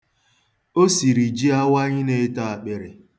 O siri ji awaị na-eto akpịrị.